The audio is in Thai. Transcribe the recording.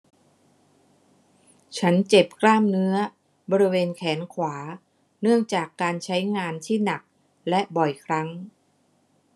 ฉันเจ็บกล้ามเนื้อบริเวณแขนขวาเนื่องจากการใช้งานที่หนักและบ่อยครั้ง